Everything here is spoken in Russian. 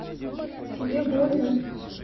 тебе больно